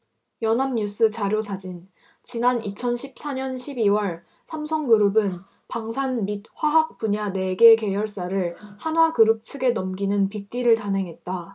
연합뉴스 자료사진 지난 이천 십 사 년 십 이 월 삼성그룹은 방산 및 화학 분야 네 개 계열사를 한화그룹 측에 넘기는 빅딜을 단행했다